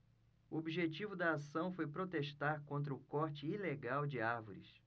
o objetivo da ação foi protestar contra o corte ilegal de árvores